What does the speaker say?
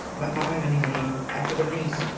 M- mae angen i ni, er bod o'n neis....